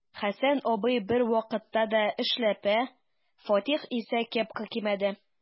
Хәсән абзый бервакытта да эшләпә, Фатих исә кепка кимәде.